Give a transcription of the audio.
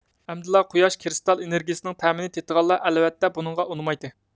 ئەمدىلا قۇياش كرىستال ئېنىرگىيىسىنىڭ تەمىنى تېتىغانلار ئەلۋەتتە بۇنىڭغا ئۇنىمايتتى